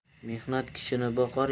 mehnat kishini boqar